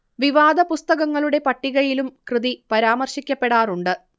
വിവാദ പുസ്തകങ്ങളുടെ പട്ടികയിലും കൃതി പരാമർശിക്കപ്പെടാറുണ്ട്